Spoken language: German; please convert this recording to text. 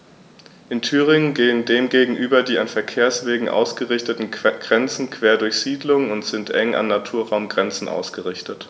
In Thüringen gehen dem gegenüber die an Verkehrswegen ausgerichteten Grenzen quer durch Siedlungen und sind eng an Naturraumgrenzen ausgerichtet.